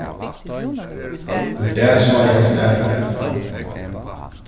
í dag sá eg ein stara